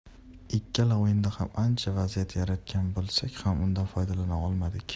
ikkala o'yinda ham ancha vaziyat yaratgan bo'lsak ham undan foydalana olmadik